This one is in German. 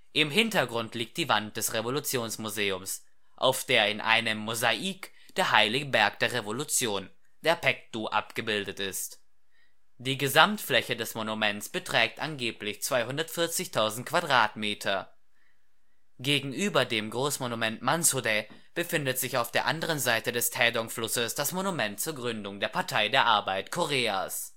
Im Hintergrund liegt die Wand des Revolutionsmuseums, auf der in einem Mosaik der " heilige Berg der Revolution ", der Paektu, abgebildet ist. Die Gesamtfläche des Monuments beträgt angeblich 240.000 m². Gegenüber dem Großmonument Mansudae befindet sich auf der anderen Seite des Taedong-Flusses das Monument zur Gründung der Partei der Arbeit Koreas